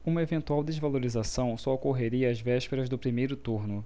uma eventual desvalorização só ocorreria às vésperas do primeiro turno